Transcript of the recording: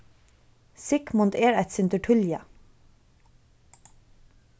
sigmund er eitt sindur tíðliga